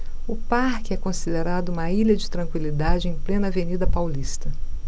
o parque é considerado uma ilha de tranquilidade em plena avenida paulista